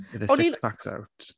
With their...O'n i'n...six-packs out.